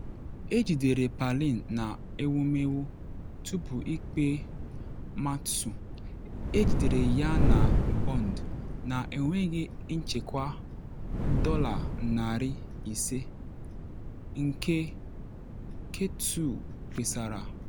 Ejidere Palin na Ewumewu Tupu-Ikpe Mat-Su, ejidere ya na bọnd na enweghị nchekwa $500, nke kTUU kpesara.